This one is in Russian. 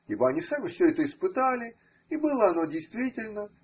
Ибо они сами все это испытали, и было оно. действительно.